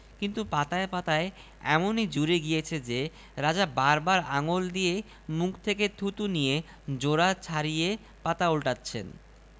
সেইটে পড়ার সঙ্গে সঙ্গে রাজা বিষবাণের ঘায়ে ঢলে পড়লেন বাঙালীর বই কেনার প্রতি বৈরাগ্য দেখে মনে হয় সে যেন গল্পটা জানে আর মরার ভয়ে বই কেনা বই পড়া ছেড়ে দিয়েছে